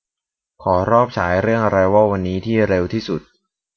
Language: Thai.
ขอรอบฉายเรื่องอะไรวอลวันนี้ที่เร็วที่สุด